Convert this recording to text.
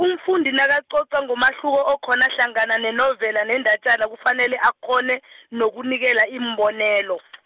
umfundi nakacoca ngomahluko, okhona hlangana nenovela, nendatjana, kufanele akghone, nokunikela iimbonelo .